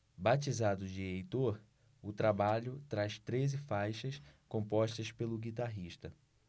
batizado de heitor o trabalho traz treze faixas compostas pelo guitarrista